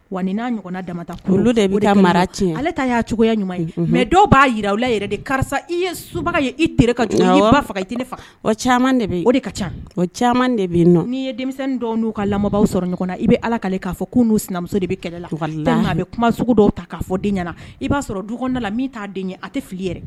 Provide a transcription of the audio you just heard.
Wa n'a ɲɔgɔnna danta kulu dɔ mara tiɲɛ ale ta y'a cogoyaya ɲuman ye mɛ dɔw b'a jira u yɛrɛ de karisa i ye su ye i kaa faga ne o de ka ca caman de bɛ ni'i ye denmisɛn dɔw'u ka lamɔ sɔrɔ ɲɔgɔn na i bɛ ala' k'a fɔ n'u sinamuso de bɛ kɛlɛ la a bɛ kuma sugu dɔw ta'a fɔ den i b'a sɔrɔ duda la min t'a den a tɛ fili i yɛrɛ